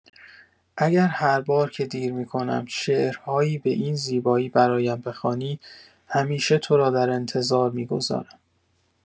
اگر هر بار که دیر می‌کنم شعرهایی به این زیبایی برایم بخوانی، همیشه تو را در انتظار می‌گذارم